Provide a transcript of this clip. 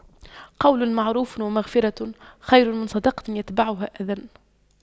قَولٌ مَّعرُوفٌ وَمَغفِرَةُ خَيرٌ مِّن صَدَقَةٍ يَتبَعُهَا أَذًى